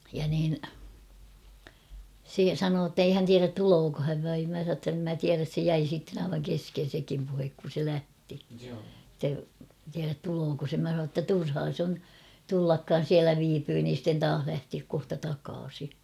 ja niin se sanoi että ei hän tiedä tuleeko hän vai minä sanoin että en minä tiedä se jäi sitten aivan kesken sekin puhe kun se lähti että tiedä tuleeko se minä sanoin jotta turhaa se on tullakaan siellä viipyy niin sitten taas lähteä kohta takaisin